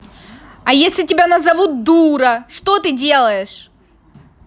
а если тебя назовут дура что ты делаешь